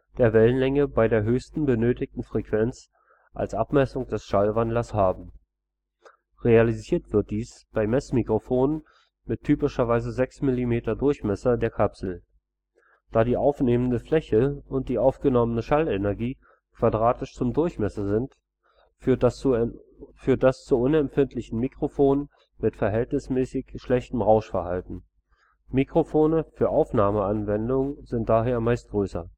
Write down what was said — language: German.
der Wellenlänge bei der höchsten benötigten Frequenz als Abmessungen des Schallwandlers haben. Realisiert wird dies bei Messmikrophonen mit typischerweise 6 mm Durchmesser der Kapsel. Da die aufnehmende Fläche und die aufgenommene Schallenergie quadratisch zum Durchmesser sind, führt das zu unempfindlichen Mikrophonen mit verhältnismäßig schlechtem Rauschverhalten. Mikrophone für Aufnahmeanwendungen sind daher meist größer